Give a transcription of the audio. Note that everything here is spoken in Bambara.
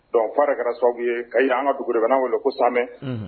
Donc o kuma de kɛra sababu ye kayi yen , an ka dugu be yen u ba wele ko samɛ.